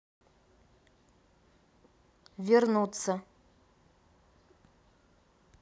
вернуться